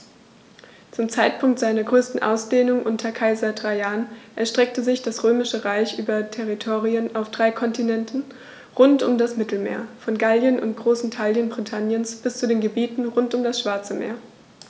Zum Zeitpunkt seiner größten Ausdehnung unter Kaiser Trajan erstreckte sich das Römische Reich über Territorien auf drei Kontinenten rund um das Mittelmeer: Von Gallien und großen Teilen Britanniens bis zu den Gebieten rund um das Schwarze Meer.